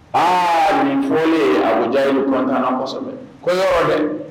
Aa nin fɔlen Abu Jahili contant na kosɛbɛ, ko yɔrɔ dɛ